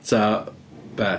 Ta be?